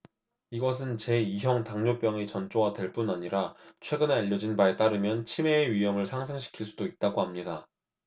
이것은 제 이 형 당뇨병의 전조가 될 뿐 아니라 최근에 알려진 바에 따르면 치매의 위험을 상승시킬 수도 있다고 합니다